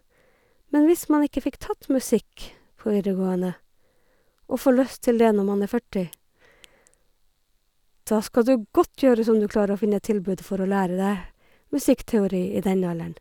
Men hvis man ikke fikk tatt musikk på videregående, og får lyst til det når man er førti, da skal det godt gjøres om du klarer å finne et tilbud for å lære deg musikkteori i den alderen.